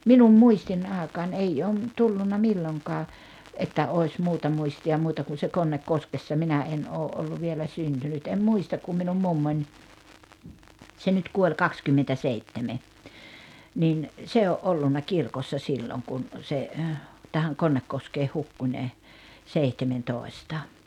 minun muistini aikaan ei ole - tullut milloinkaan että olisi muuta muistia muuta kuin se Konnekoskessa minä en ole ollut vielä syntynyt en muista kun minun mummoni se nyt kuoli kaksikymmentäseitsemän niin se on ollut kirkossa silloin kun se tähän Konnekoskeen hukkui ne seitsemäntoista